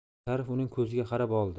sharif uning ko'ziga qarab oldi